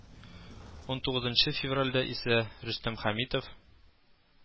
Унтугызынчы февральдә исә рөстәм хәмитов